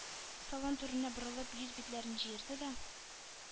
Салон түренә борылып, йөз-битләрен җыерды да: